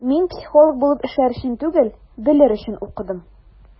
Мин психолог булып эшләр өчен түгел, белер өчен укыдым.